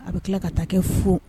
A bɛ tila ka taa kɛ furu